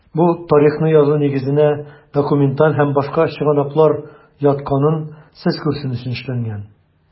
Бу тарихны язу нигезенә документаль һәм башка чыгынаклыр ятканын сез күрсен өчен эшләнгән.